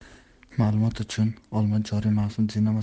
ma'lumot uchun olmo joriy mavsum dinamo